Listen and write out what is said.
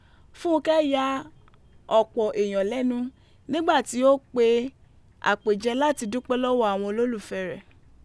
Funkẹ ya ọpọ eeyan lẹnu nigba ti o pe apejẹ lati dupẹ lọwọ awọn ololufẹ rẹ.